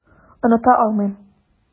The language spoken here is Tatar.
Оныта алмыйм.